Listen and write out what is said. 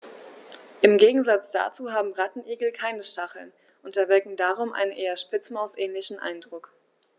Im Gegensatz dazu haben Rattenigel keine Stacheln und erwecken darum einen eher Spitzmaus-ähnlichen Eindruck.